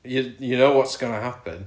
you.. you know what's gonna happen